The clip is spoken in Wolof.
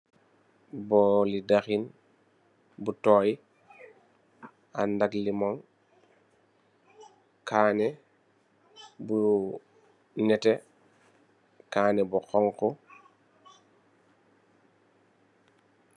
Booli daheen bu toye, andak limon, kanè bu nètè, kanè bu honku.